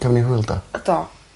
Gafon ni hwyl do? Yy do.